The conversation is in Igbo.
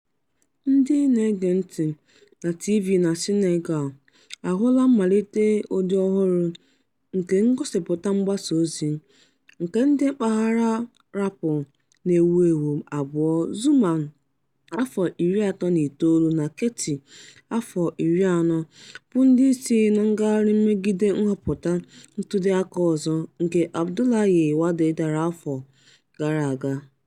Ndị na-ege ntị na TV na Senegal ahụla mmalite ụdị ọhụrụ nke ngosịpụta mgbasaozi, nke ndị mpaghara raapụ na-ewu ewu abụọ Xuman (39) na Keyti (40) bụ ndị isi na ngagharị mmegide nhọpụta ntuliaka ọzọ nke Abdoulaye Wade dara afọ gara aga.